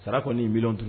Sara kɔnii million